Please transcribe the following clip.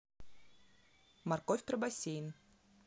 морковь про бассейн